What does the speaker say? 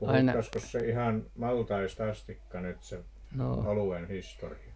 puhuttaisiinkos se ihan maltaista asti nyt se oluen historia